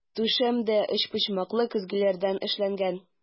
Түшәм дә өчпочмаклы көзгеләрдән эшләнгән.